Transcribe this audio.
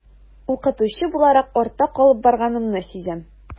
Укытучы буларак артта калып барганымны сизәм.